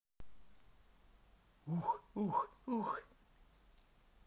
uh uh uh